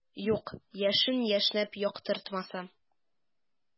Юк, яшен яшьнәп яктыртмаса.